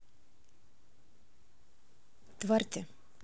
тварь ты